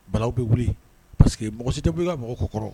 Bala bɛ wuli paseke que mɔgɔ si tɛ' ka mɔgɔw kɔ kɔrɔ